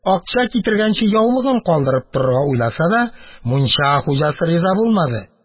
Акча китергәнче яулыгын калдырып торырга уйласа да, мунча хуҗасы риза булмады